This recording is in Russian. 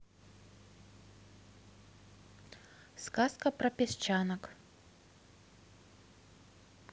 сказка про песчанок